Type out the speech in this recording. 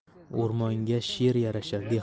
o'rmonga sher yarashar